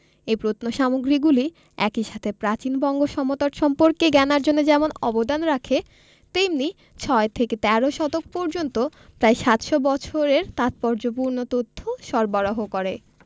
এই প্রত্নসামগ্রীগুলি একই সাথে প্রাচীন বঙ্গ সমতট সম্পর্কে জ্ঞানার্জনে যেমন অবদান রাখে তেমনি ছয় থেকে তেরো শতক পর্যন্ত প্রায় সাতশ বছরের তাৎপর্যপূর্ণ তথ্য সরবরাহ করে